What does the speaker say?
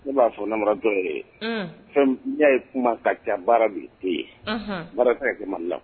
U b'a fɔ nama dɔw yɛrɛ ye fɛn n'a ye kuma ka baara bi to ye baara tɛ kɛla